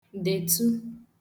dètu